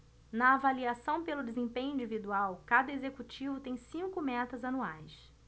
na avaliação pelo desempenho individual cada executivo tem cinco metas anuais